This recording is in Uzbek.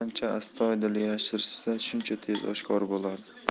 qancha astoydil yashirishsa shuncha tez oshkor bo'ladi